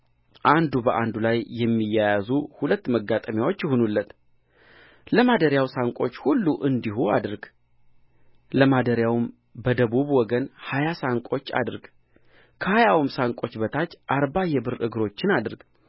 አንዱን በአንዱ ላይ የሚያያይዙ ሁለት ማጋጠሚያዎች ይሁኑለት ለማደሪያው ሳንቆች ሁሉ እንዲሁ አድርግ ለማደሪያውም በደቡብ ወገን ሀያ ሳንቆችን አድርግ ከሀያውም ሳንቆች በታች አርባ የብር እግሮችን አድርግ